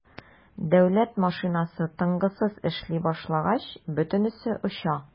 Дәүләт машинасы тынгысыз эшли башлагач - бөтенесе оча.